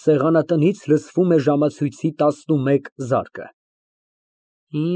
Սեղանատնից լսվում է ժամացույցի տասնմեկ զարկը)։